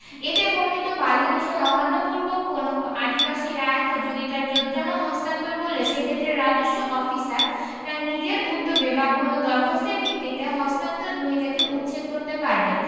এতে বর্ণিত বাধানিষেধ অমান্যপূর্বক কোন আদিবাসী রায়ত যদি তার জোতজমা হস্তান্তর করলে সেক্ষেত্রে রাজস্ব অফিসার তার নিজের উদ্যোগে বা কোনও দরখাস্তের ভিত্তিতে হস্তান্তর গ্রহীতাকে উচ্ছেদ করতে পারবে